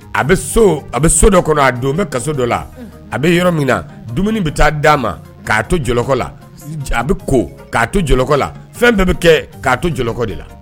A bɛ so a bɛ so dɔ kɔnɔ a don bɛ ka dɔ la a bɛ yɔrɔ min na dumuni bɛ taa d di a ma'a to jɔlɔkɔ la a bɛ ko'a to jɔlɔkɔ la fɛn bɛɛ bɛ kɛ'a to jɔlɔkɔ de la